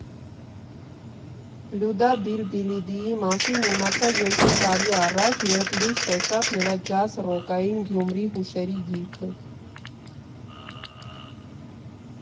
Լյուդա Բիլբիլիդիի մասին իմացա երկու տարի առաջ, երբ լույս տեսավ նրա «Ջազ֊ռոքային Գյումրի» հուշերի գիրքը։